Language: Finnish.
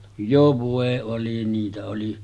jo voi oli niitä oli